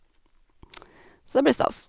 Så det blir stas.